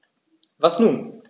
Was nun?